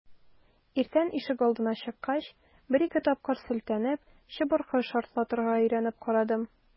Иртән ишегалдына чыккач, бер-ике тапкыр селтәнеп, чыбыркы шартлатырга өйрәнеп карадым.